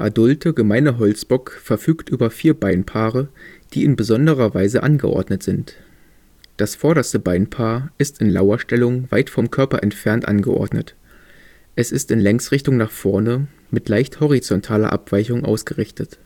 adulte Gemeine Holzbock verfügt über 4 Beinpaare, die in besonderer Weise angeordnet sind. Das vorderste Beinpaar ist in Lauerstellung weit vom Körper entfernt angeordnet. Es ist in Längsrichtung nach vorne, mit leicht horizontaler Abweichung ausgerichtet.